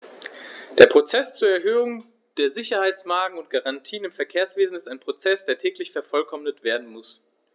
Der Prozess zur Erhöhung der Sicherheitsmargen und -garantien im Verkehrswesen ist ein Prozess, der täglich vervollkommnet werden muss.